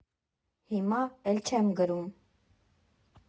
Հիմա էլ չեմ գրում։